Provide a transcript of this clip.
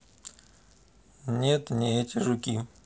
нет не эти жуки